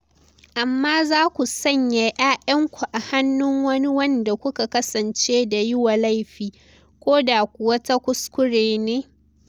"Amma za ku sanya 'ya'yanku a hannun wani wanda kuka kasance da yiwa laifi, ko da kuwa ta kuskure ne?